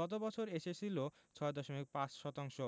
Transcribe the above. গত বছর এসেছিল ৬.৫ শতাংশ